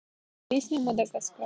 песня madagascar